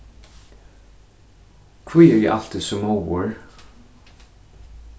hví eri eg altíð so móður